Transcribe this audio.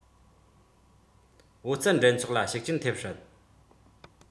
ཨོ རྩལ འགྲན ཚོགས ལ ཤུགས རྐྱེན ཐེབས སྲིད